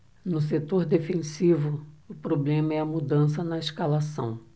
no setor defensivo o problema é a mudança na escalação